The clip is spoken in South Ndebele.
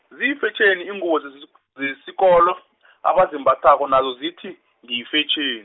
ziyifetjheni iingubo zesi- zesikolo, abezembathako nazo zithi, ngiyifetjhen-.